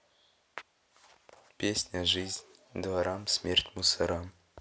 песня жизнь дворам смерть мусорам